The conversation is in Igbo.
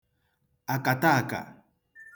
àkàtaàkà